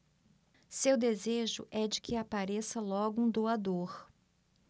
seu desejo é de que apareça logo um doador